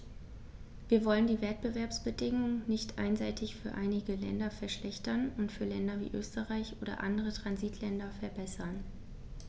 Wir wollen die Wettbewerbsbedingungen nicht einseitig für einige Länder verschlechtern und für Länder wie Österreich oder andere Transitländer verbessern.